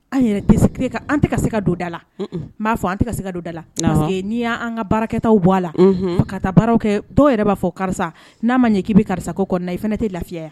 An yɛrɛ tɛ ka an tɛ ka se ka don da la, unhun, n b'a fɔ an tɛ ka se ka don da la, awɔ, parce que n'i y'an ka baarakɛta bɔ a la, unhun, ka taa baara kɛ dɔw yɛrɛ b'a fɔ karisa n'a ma ɲɛ k'i bɛ karisako kɔni na i fana ne tɛ lafiya yan